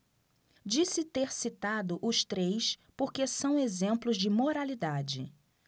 disse ter citado os três porque são exemplos de moralidade